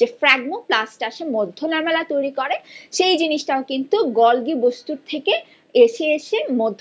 যে ফ্রাগমোপ্লাস্ট এসে মধ্য লামেলা তৈরি করে সেই জিনিসটা কিন্তু গলগি বস্তু থেকে এসে এসে মধ্য